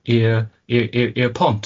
i'r i'r i'r i'r pont.